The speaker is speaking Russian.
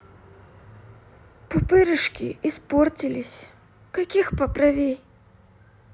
пупырышки испортились каких поправей